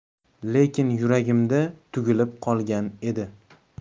lekin yuragimda tugilib qolgan edi